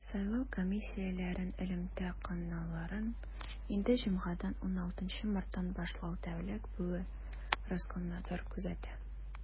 Сайлау комиссияләрен элемтә каналларын инде җомгадан, 16 марттан башлап, тәүлек буе Роскомнадзор күзәтә.